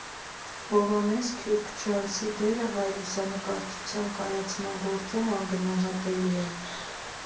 Հովհաննես Քյուրքչյանցի դերը հայ լուսանկարչության կայացման գործում անգնահատելի է։